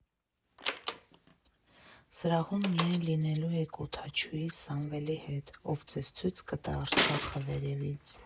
Սրահում միայն լինելու եք օդաչուի՝ Սամվելի հետ, ով ձեզ ցույց կտա Արցախը վերևից։